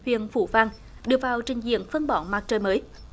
huyện phú vang đưa vào trình diễn phân bón mặt trời mới